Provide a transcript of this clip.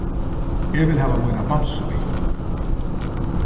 eg vil hava mína bamsu við